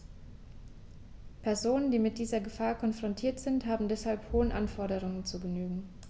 Personen, die mit dieser Gefahr konfrontiert sind, haben deshalb hohen Anforderungen zu genügen.